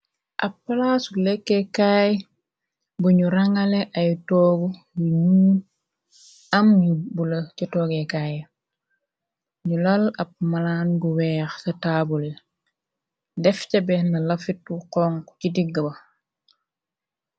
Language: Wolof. Ab palaasu lekkekaay buñu rangale ay toogu yu ñu am ngi bula ca toogeekaay ya nu lal ab malaan gu weex ca taabule def ca benn lafitu xoŋk ci digg ba.